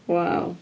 Waw.